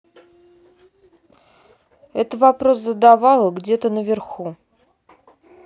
это вопрос задавала где то наверху